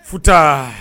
Futa